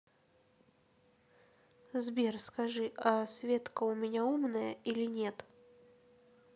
сбер скажи а светка у меня умная или нет